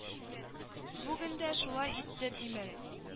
Бүген дә шулай итте тимер